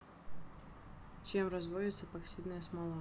чем разводиться эпоксидная смола